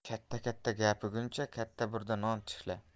katta katta gapiiguncha katta burda non tishla